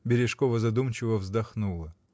Бережкова задумчиво вздохнула.